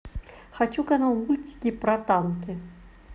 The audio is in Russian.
хочу канал мультики про танки